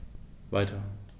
Weiter.